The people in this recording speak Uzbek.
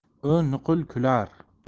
u nuqul kular